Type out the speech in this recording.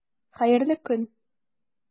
Хәерле көн!